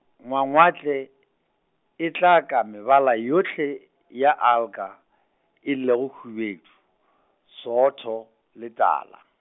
ngwangwatle, e tla ka mebala yohle , ya alga, e lego hubedu, sootho, le tala.